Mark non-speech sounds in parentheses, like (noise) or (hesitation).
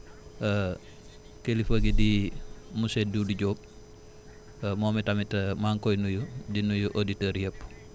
(hesitation) kilifa gi di monsieur Doudou Diop (hesitation) moom tamit maa ngi koy nuyu di nuyu auditeurs yëpp